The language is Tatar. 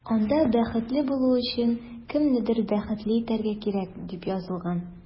Анда “Бәхетле булу өчен кемнедер бәхетле итәргә кирәк”, дип язылган.